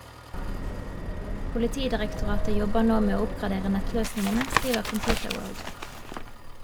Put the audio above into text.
Politidirektoratet jobber nå med å oppgradere nettløsningene, skriver Computerworld.